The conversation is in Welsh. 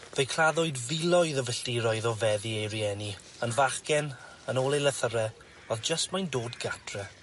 Fe'i claddwyd filoedd o filltiroedd o feddi ei rieni, yn fachgen, yn ôl ei lythyre, o'dd jyst moyn dod gatre.